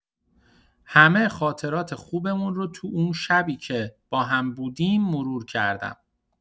همه خاطرات خوبمون رو تو اون شبی که با هم بودیم، مرور کردم.